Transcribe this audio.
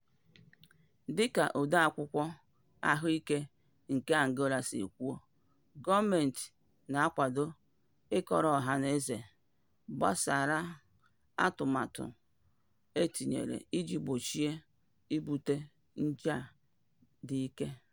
Dịka Odeakwụkwọ Ahụike nke Angola si kwuo, gọọmentị na-akwado ịkọrọ ọhanaeze gbasara atụmatụ e tinyere iji gbochie ibute nje a dị ike.